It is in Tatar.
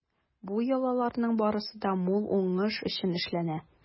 Бу йолаларның барысы да мул уңыш өчен эшләнә.